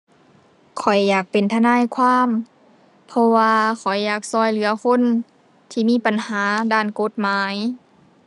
ข้อยอยากเป็นทนายความ เพราะว่าข้อยอยากช่วยเหลือคนที่มีปัญหาด้านกฎหมาย